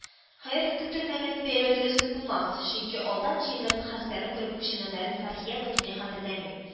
Хәер, көтелмәгән дип бәяләү дөрес үк булмас, чөнки алдан җыенып, хәстәрен күреп күченгәннәрен Фәрхия бөтенләй хәтерләми